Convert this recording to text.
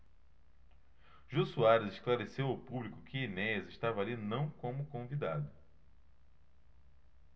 jô soares esclareceu ao público que enéas estava ali não como convidado